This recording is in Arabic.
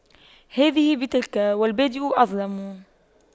هذه بتلك والبادئ أظلم